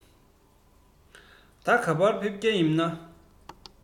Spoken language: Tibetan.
ད ག པར ཕེབས མཁན ཡིན ན